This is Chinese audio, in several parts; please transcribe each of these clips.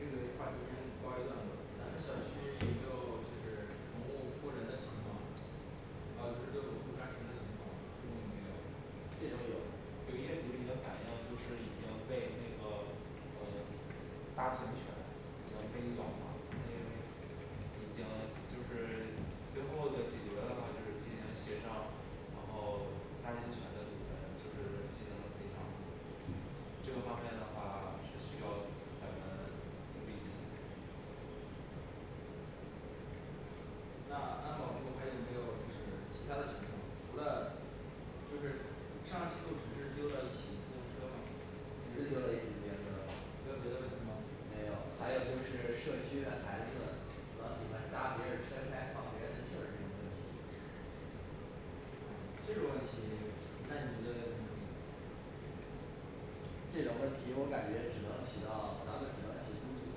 这个话题先告一段落，咱们小区有没有就是宠物扑人的情况还有就是遛狗不栓绳儿的情况这种有没有这种有有业主已经反映就是已经被那个呃大型犬呃给咬了因为已经就是最后的解决的话就是进行协商然后大型犬的主人就是进行了赔偿这个方面的话是需要咱们注意一下那安保部儿还有没有就是其它的情况除了就是上季度只是丢了一起自行车吗只是丢了一起自行车没有别的问题吗没有还有就是社区的孩子老喜欢扎别人车胎，放别人的气儿这种问题这种问题那你觉得该怎么处理呢这种问题我感觉只能起到咱们只能起督促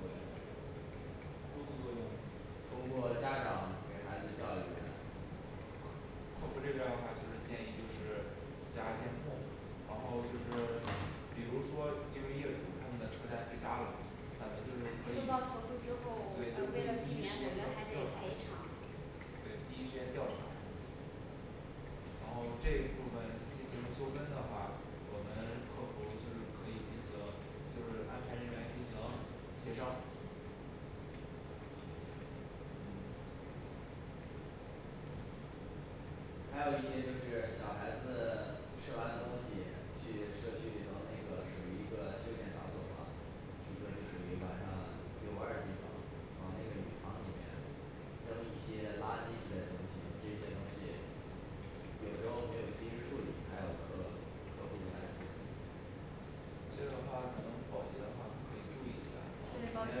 作用督促作用通过家长给孩子教育来客服这边儿的话就是建议就是加监控然后就是比如说因为业主他们的车胎被扎了咱们就是可收到投诉之以后对呃就是为为了了第避一免时我间调们还得调赔查偿对第一时间调查然后这一部分进行纠纷的话，我们客服就是可以进行就是安排人员进行协商还有一些就是小孩子吃完东西去社区里头那个属于一个休闲场所儿吧，一个就属于晚上遛弯儿的地方，往那个鱼塘里面扔一些垃圾之类的东西，这些东西有时候没有及时处理，还有客客户儿在这样的话咱们保洁的话可以注意一下儿，对，保然后洁每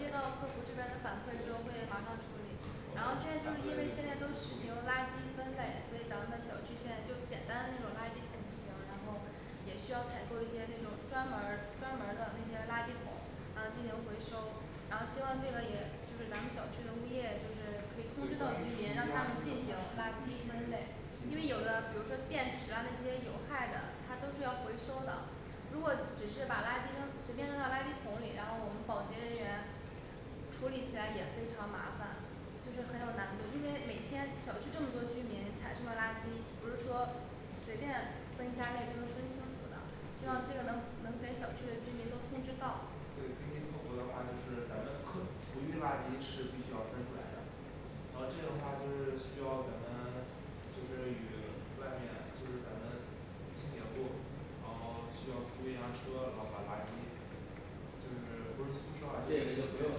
接到客服这边儿的反馈就会马上处理然我后现在们就是因反为现在馈都实处行理垃圾分类所以咱们的小区现在就简单那种垃圾桶不行了然后也需要采购一些那种专门儿专门儿的那些垃圾桶呃进行回收。然后希望这个也就是咱们小区的物业就是对关于厨余垃圾的话就是必可以通知到居民，让他们进须行垃进圾行分分类，因为有的比如说类电池啊那些有害的它都是要回收的，如果只是把垃圾扔随便扔到垃圾桶里，然后我们保洁人员处理起来也非常麻烦就是很有难度，因为每天小区这么多居民产生了垃圾，不是说随便分一下类就能分清楚的希望这个能能跟小区的居民能通知到对可以根据客服的话，就是咱们客厨余垃圾是必须要分出来的然后这个话就是需要咱们就是与外面就是咱们清洁部然后需要租一辆车，然后把垃圾就是不是租车啊这个就就不用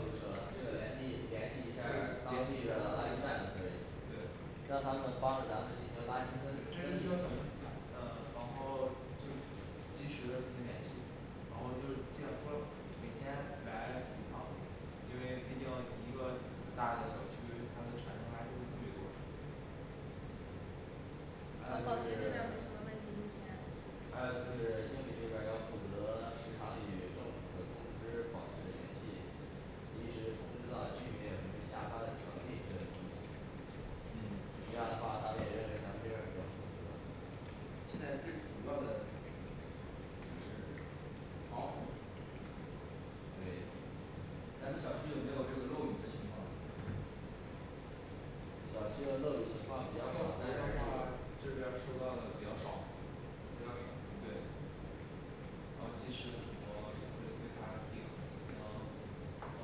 租车了，这个联系联系一下儿当地的垃圾站就可以了对让他们帮着咱们进行垃就圾分分是说咱离们呃然后就及时的进行联系然后就是既然说，每天来几趟，因为毕竟一个很大的小区，它的产生垃圾会特别多还有就是 还有就是经理这边儿要负责时常与政府的通知保持联系及时通知到居民有什么下发的条例之类的东西。嗯这样的话他们也认为咱们这边儿比较负责现在最主要的就是防洪对咱们小区有没有这个漏雨的情况小区的漏雨情况客服的比较少但是话这边儿收到的比较少比较少嗯对然后及时的很多就是对它进呃呃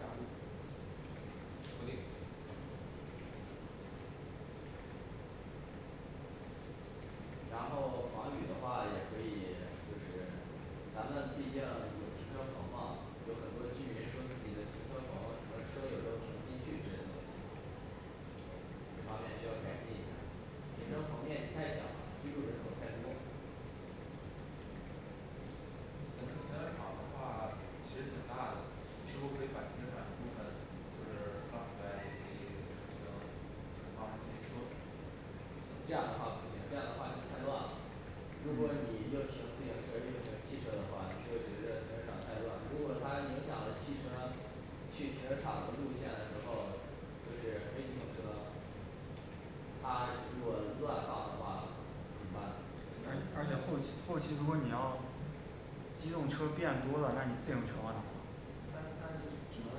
加固固定然后防雨的话也可以就是，咱们毕竟有停车棚嘛，有很多居民说自己的停车棚什么车有时候儿停不进去这些东西这方面需要改进一下停车棚面积太小，居住人口太多咱们停车场的话其实挺大的，是不是可以把停车场一部分？就是让出来也可以进行就是放自行车这样的话不行，这样的话就太乱了如果你又停自行车儿又停汽车的话，你就觉得停车场太乱，如果它影响了汽车去停车场的路线的时候，就是非机动车他如果乱放的话，怎么办呢而而且后期后期如果你要机动车变多了那你这种情况那那就只能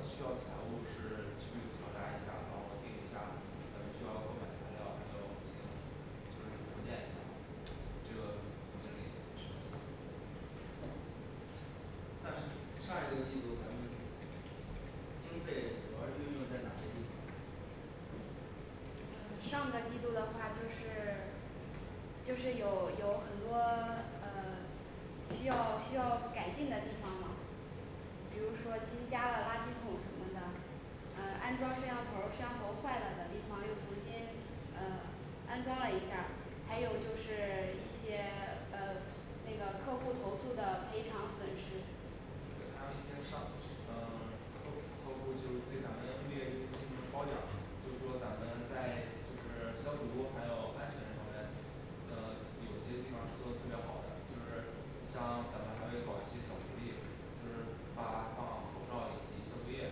需要财务室去考察一下，然后订一下，咱们需要购买材料还有进行就是扩建一下这个总经理你是怎么但是上一个季度咱们经费主要是运用在哪些地方嗯上个季度的话就是 就是有有很多呃需要需要改进的地方嘛比如说新加了垃圾桶什么的呃安装摄像头儿，摄像头坏了的地方又重新呃安装了一下儿，还有就是一些呃那个客户投诉的赔偿损失对还有一些上呃 客客户儿就对咱们物业进进行褒奖，就是说咱们在就是消毒还有安全方面呃有些地方是做的特别好的，就是像咱们还会搞一些小福利，就是发放口罩以及消毒液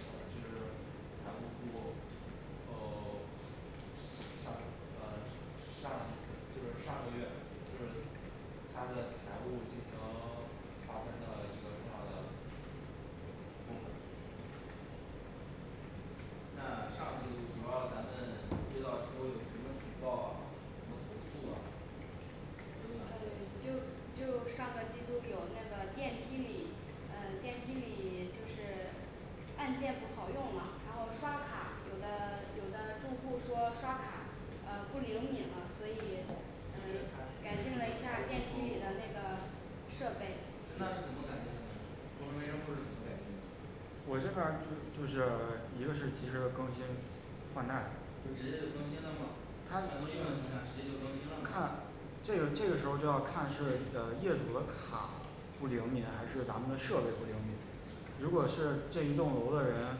什么的，就是财务部哦 上呃上一次就是上个月就是他的财务进行 划分的一个重要的部分那上个季度主要咱们接到都有什么举报啊什么投诉啊都有哪些就原因就上个季度有那个电梯里嗯电梯里就是按键不好用了，然后刷卡，有的有的住户说刷卡呃不灵敏了，所以嗯改进了一下儿电梯里的那个设备那是怎么改进的呢工程维修部是怎么改我进的呢这边儿就就是一个是及时的更新换代就直接就更新了吗还能用它的情况下直接就更新了吗看这个这个时候儿就要看是呃业主的卡不灵敏，还是咱们的设备不灵敏如果是这一栋楼的人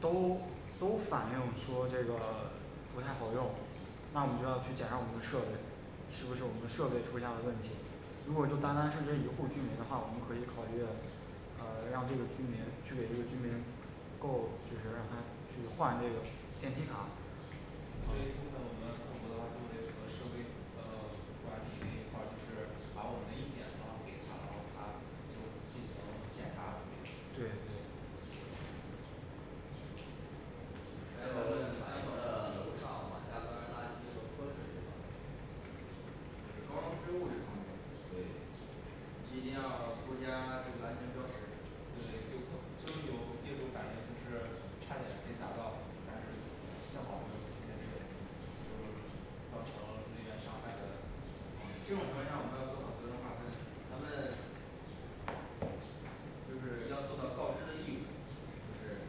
都都反映说这个 不太好用，那我们就要去检查我们的设备，是不是我们的设备出现了问题如果就单单是这一户儿居民的话，我们就可以考虑，呃让这个居民去这居民购就是让他去换那个电梯卡这一部分我们客服的话就会和设备呃管理这一块儿，就是把我们的意见然后给他，然后他就进行检查处理嗯那还有咱们反安应的保这楼上一往下乱扔垃圾和泼水就高空坠物这方面对这一定要多加这个安全标识对有客就是有业主反映就是差点被砸到但是幸好没有出现这种就造成人员伤害的这情种情况况下我们要做好责任划分咱们就是要做到告知的义务，就是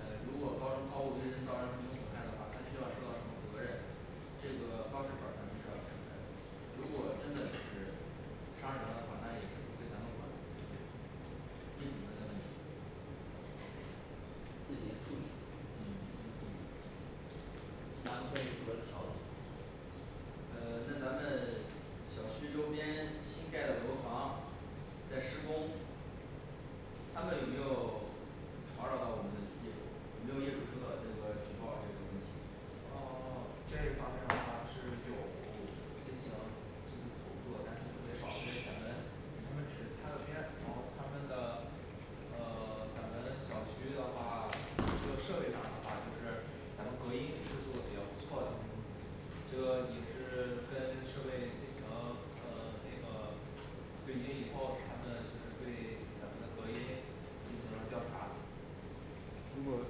呃 如果高空抛物对人造成什么损害的话，他需要受到什么责任这个告示表儿咱们是要贴出来的如果真的只是杀人了的话，那也是不归咱们管这是业主们的问题自行处理嗯自行处理咱们可以负责调解呃 那咱们 小区周边新盖的楼房在施工他们有没有吵扰到我们的业主，有没有业主收到这个举报这个问题哦 这方面的话是有进行就是投诉的，但是特别少，因为咱们他们只是擦个边然后他们的呃 咱们小区的话，这个设备上的话就是咱们隔音是做的比较不错的这个也是跟设备进行呃那个对接以后，他们就是对咱们的隔音进行了调查如果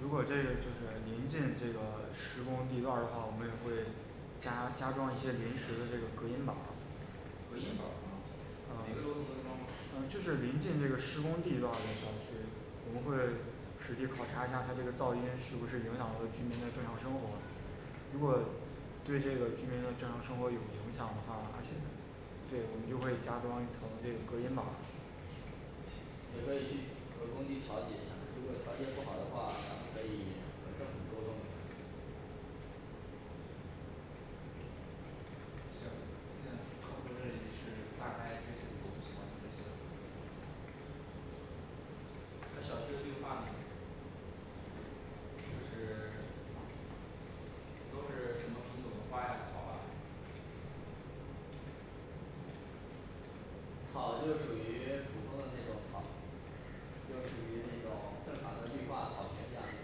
如果这种情况临近这个施工地段儿的话，我们就会加加装一些临时的这个隔音板儿隔音板儿嘛每个楼层都装吗呃这是临近这个施工地段儿的小区我们会实地考察一下儿它这个噪音是不是影响到居民的正常生活如果对这个居民的正常生活有影响的话而且对我们就可以加装一层这个隔音板儿也可以去和工地调节一下儿，如果调节不好的话，咱们可以和政府沟通一下儿行目前客服这里是大概这些投诉情况就这些了那小区的绿化呢是不是 都是什么品种的花啊草啊草就是属于普通的那种草就属于那种正常的绿化草坪一样那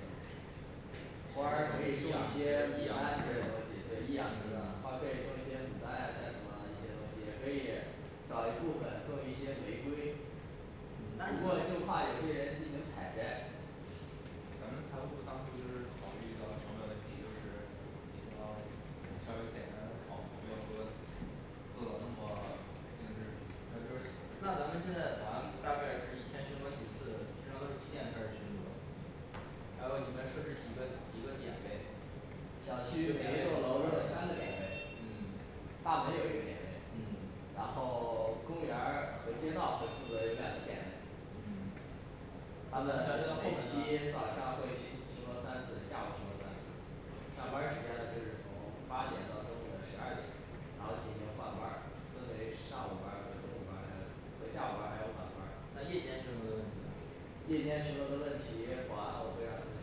种花儿可以易种养一些易牡养丹之类植的的东西东西对易养植的花可以种一些牡丹啊像什么一些东西也可以找一部分种一些玫瑰那你不过就们怕有些人进行采摘咱们财务部儿当初就是考虑到成本问题就是比较稍微简单的草没有说做到那么精致还有就那是咱们现在保安部儿大概是一天巡逻几次平常都是几点开始巡逻还有你们设置几个几个点位小区每一栋楼都有三个点位嗯大门有一个点位嗯然后 公园儿和街道分布的有两个点位嗯他们我感每觉后天早期上会去巡逻三次，下午巡逻三次上班儿时间呢就是从八点到中午的十二点然后进行换班儿，分为上午班儿和中午班儿还有和下午班儿还有晚班儿那夜间巡逻的问题呢夜间巡逻的问题，保安我会让他们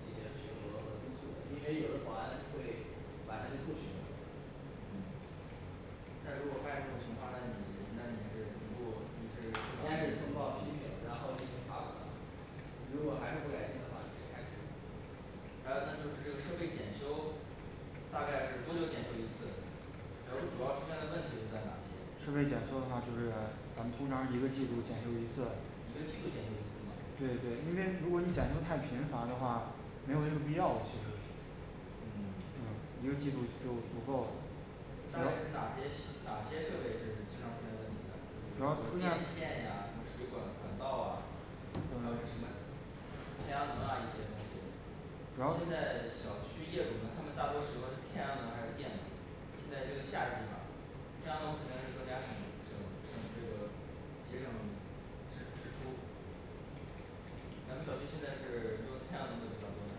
进行巡逻和督促的，因为有的保安会晚上就不巡逻了嗯那如果发现这种情况那你那你是同步你是先是通报批评，然后进行罚款如果还是不改进的话直接开除还有那就是这个设备检修，大概是多久检修一次还有主要出现的问题都在哪一些设备检修的话是咱们通常是一个季度检修一次一个季度检测对一次吗对，因为如果检修太频繁的话，没有这个必要其实嗯一个季度就够足够了大概是哪些哪些设备是经常出现问题的，比如说电线呀什么水管管道啊那就什么太阳能啊一些东西现在小区业主们他们大多使用的是太阳能还是电呢现在这个夏季嘛太阳能肯定是更加省省省这个节省支支出咱们小区现在是用太阳能的比较多呢，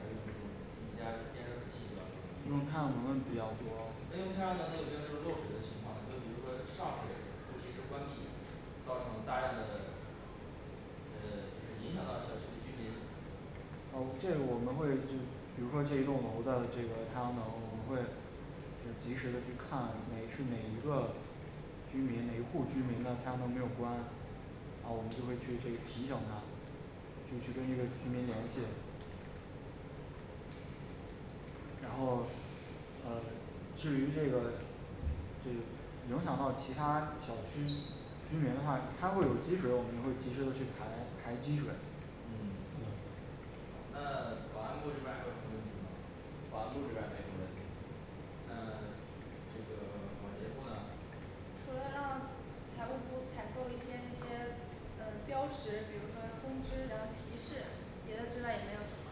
还是用这种自己家的电热水器比较多呢用太阳能的比较多那用太阳能的有没有这种漏水的情况啊就比如说上水不及时关闭造成大量的呃 只是影响到小区的居民会去比如说这一栋楼的这个太阳能，我们会就是及时看哪是哪一个居民哪户儿居民的太阳能没有关然后我们就会去提醒他就去跟那个他们那儿联系然后呃至于这个嗯影响到其他小区居民的话他会有积水的我们会及时的去排排积水嗯那保安部儿这边儿还有什么问题吗保安部儿这边儿没什么问题了那这个保洁部儿呢除了让财务部采购一些那些呃标识，比如说通知然后提示别的之外也没有什么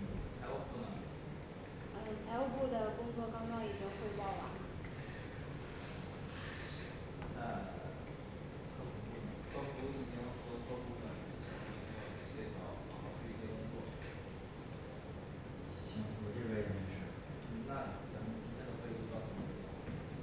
嗯财务部呢呃财务部的工作刚刚已经汇报完了那客服客部呢服已经和各部门进行了那个协调，然后对接工作行，我这边儿也没事儿嗯那咱们今天的会议就到此结束吧